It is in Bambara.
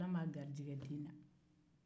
ala m'a garijɛgɛ den na